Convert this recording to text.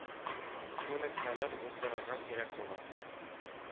Күнекмәләр уздырырга кирәк була.